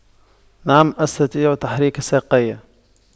نعم أستطيع تحريك ساقي